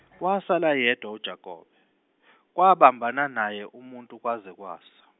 wasala yedwa uJakobe, kwabambana naye umuntu kwaze kwasa.